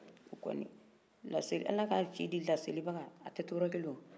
ala ka ciden laselibaga a tɛ to yɔrɔ kelen